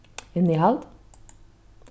innihald